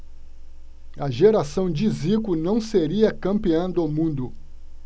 a geração de zico não seria campeã do mundo